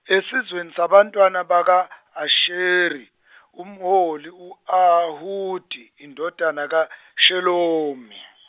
esizweni sabantwana bakwa Asheri, umholi u Ahudi indodana kaShelomi.